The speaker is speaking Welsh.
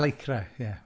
Lycra, ie.